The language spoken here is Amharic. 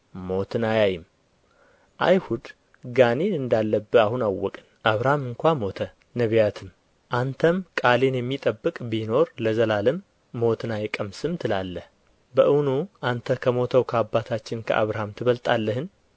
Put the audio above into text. ሞትን አያይም አይሁድ ጋኔን እንዳለብህ አሁን አወቅን አብርሃም ስንኳ ሞተ ነቢያትም አንተም ቃሌን የሚጠብቅ ቢኖር ለዘላለም ሞትን አይቀምስም ትላለህ በእውኑ አንተ ከሞተው ከአባታችን ከአብርሃም ትበልጣለህን